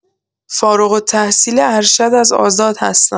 فارغ‌التحصیل ارشد از آزاد هستم.